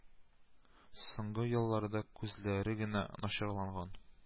Соңгы елларда күзләре генә начарланган